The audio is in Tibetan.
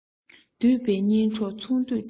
འདུས པའི གཉེན གྲོགས ཚོང འདུས མགྲོན པོ